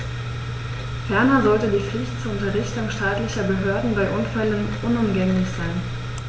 Ferner sollte die Pflicht zur Unterrichtung staatlicher Behörden bei Unfällen unumgänglich sein.